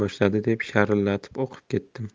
boshladi deb sharillatib o'qib ketdim